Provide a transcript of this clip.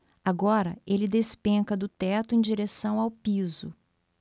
agora ele despenca do teto em direção ao piso